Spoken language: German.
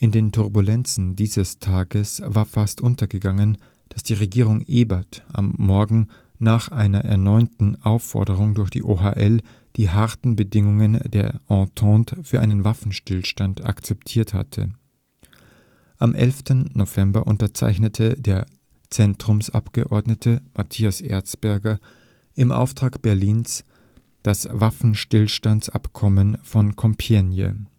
den Turbulenzen dieses Tages war fast untergegangen, dass die Regierung Ebert am Morgen nach einer erneuten Aufforderung durch die OHL die harten Bedingungen der Entente für einen Waffenstillstand akzeptiert hatte. Am 11. November unterzeichnete der Zentrumsabgeordnete Matthias Erzberger im Auftrag Berlins das Waffenstillstandsabkommen von Compiègne